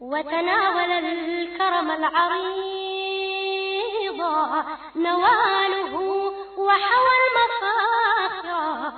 Wakɔrɔ bɔ naamudugu wa